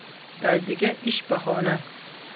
daydiga ish bahona